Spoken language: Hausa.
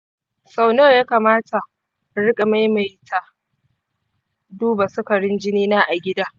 sau nawa ya kamata in riƙa maimaita duba sukarin jinina a gida?